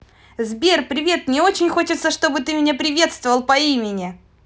сбер привет мне очень хочется чтобы ты меня приветствовал по имени